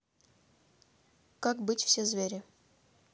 как трахать все звери